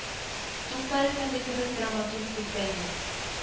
— туктар әфәнде кебек драматург бездә юк